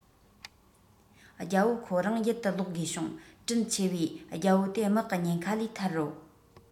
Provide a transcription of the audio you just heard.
རྒྱལ པོ ཁོ རང ཡུལ དུ ལོག དགོས བྱུང དྲིན ཆེ བའི རྒྱལ པོ དེ དམག གི ཉེན ཁ ལས ཐར རོ